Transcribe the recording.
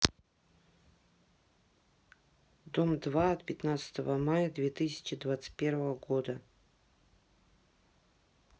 дом два от пятнадцатого мая две тысячи двадцать первого года